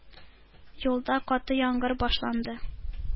Юлда каты яңгыр башланды.